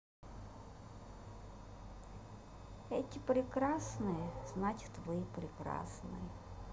эти прекрасные значит вы прекрасные